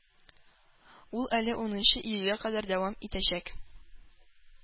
Ул әле унынчы июльгә кадәр дәвам итәчәк.